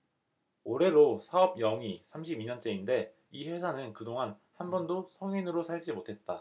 올해로 사업 영위 삼십 이 년째인데 이 회사는 그동안 한 번도 성인으로 살지 못했다